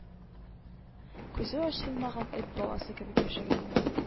Күзе ачылмаган эт баласы кебек яшәгәнмен